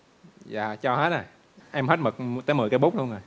dạ cho hết rồi em hết mực tới mười cây bút luôn rồi